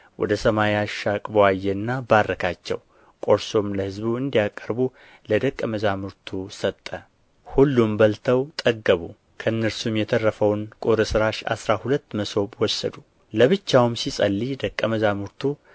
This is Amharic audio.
ወደ ሰማይ አሻቅቦ አየና ባረካቸው ቆርሶም ለሕዝቡ እንዲያቀርቡ ለደቀ መዛርሙርቱ ሰጠ ሁሉም በልተው ጠገቡ ከእነርሱም የተረፈውን ቍርስራሽ አሥራ ሁለት መሶብ ወሰዱ ለብቻውም ሲጸልይ ደቀ መዛሙርቱ